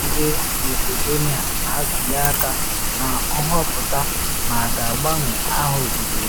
Ndị Macedonia na atuli aka na nhọpụta ma a ga-agbanwe aha obodo ya